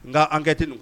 Nka enquète nu